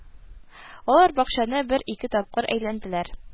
Алар бакчаны бер-ике тапкыр әйләнделәр